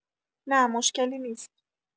نه، مشکلی نیست.